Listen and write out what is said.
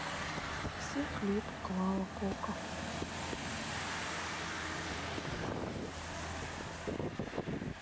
все клипы клава кока